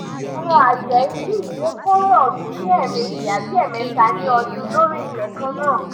Àwọn àgbẹ̀ ibí yìí lè kórè ọ̀gbìn ní ẹ̀ẹ̀mejì àbí ẹ̀ẹ̀mẹta ní ọdún lórí ilẹ̀ kan náà.